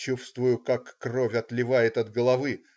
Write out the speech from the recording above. Чувствую, как кровь отливает от головы.